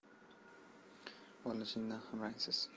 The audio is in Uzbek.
bola chindan ham rangsiz